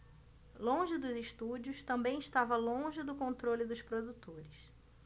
longe dos estúdios também estava longe do controle dos produtores